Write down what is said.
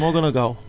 moo gën a gaaw